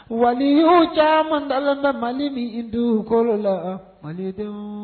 Waliyuw caaman dalen bɛ Mali min duukolo la malidenw